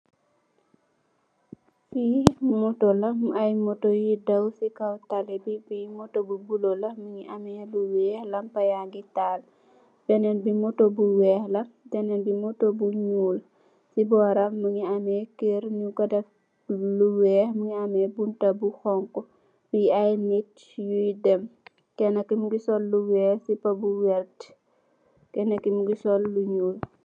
Fii "motto" la,"motto" yuy daw si kow talli bi, bi "motto" bu bulo la, mu amee lu weex, mu ngi taal, bénen bi "motto" bu weex la, bénen bi "motto" bu ñuul la. Si bóoram, mu ngi amee, kér ñung ko def lu weex, muñgi amee buntu bu xoñxu, fii ay nit yuy dem, Kenna ki mu ngi sol lu weex, ak sippa bu werta, Kenna ki mu ngi sol lu ñuul.